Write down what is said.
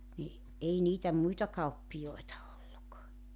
niin ei niitä muita kauppiaita ollut